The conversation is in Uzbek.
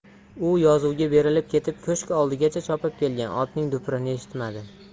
u yozuvga berilib ketib ko'shk oldigacha chopib kelgan otning dupurini eshitmadi